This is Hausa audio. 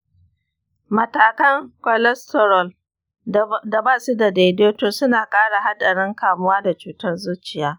matakan cholesterol da basu da daidaito suna ƙara haɗarin kamuwa da cutar zuciya.